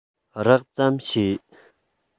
རགས ཙམ ཤེས